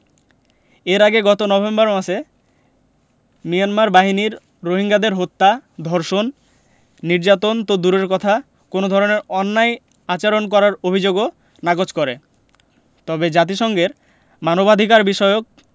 এর আগে গত নভেম্বর মাসে মিয়ানমার বাহিনী রোহিঙ্গাদের হত্যা ধর্ষণ নির্যাতন তো দূরের কথা কোনো ধরনের অন্যায় আচরণ করার অভিযোগও নাকচ করে তবে জাতিসংঘের মানবাধিকারবিষয়ক